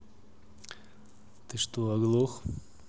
ты что оглох